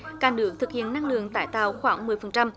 cả nước thực hiện năng lượng tái tạo khoảng mười phần trăm